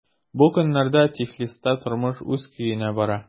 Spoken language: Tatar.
Бу көннәрдә Тифлиста тормыш үз көенә бара.